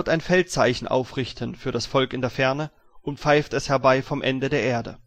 ein Feldzeichen aufrichten für das Volk in der Ferne und pfeift es herbei vom Ende der Erde